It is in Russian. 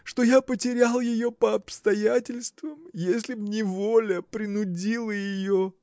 – что я потерял ее по обстоятельствам если б неволя принудила ее.